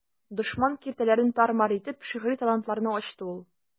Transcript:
Дошман киртәләрен тар-мар итеп, шигъри талантларны ачты ул.